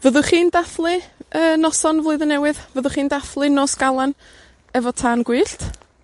Fyddwch chi'n dathlu y noson flwyddyn newydd? Fyddwch chi'n dathlu Nos Galan? Efo tân gwyllt?